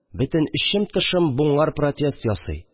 Бөтен эчем-тышым буңар протест ясый